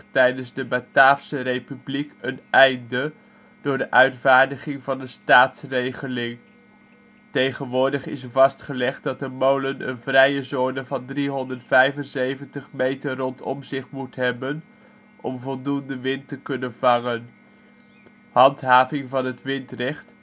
tijdens de Bataafse republiek een einde door de uitvaardiging van een staatsregeling. Tegenwoordig is vastgelegd dat een molen een vrije zone van 375 meter rond zich moet hebben om voldoende wind te kunnen vangen. Handhaving van het windrecht